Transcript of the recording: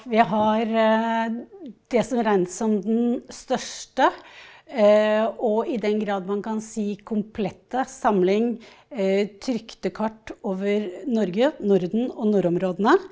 vi har det som regnes som den største, og i den grad man kan si komplette samling , trykte kart over Norge Norden og nordområdene.